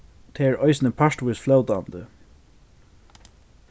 tað er eisini partvíst flótandi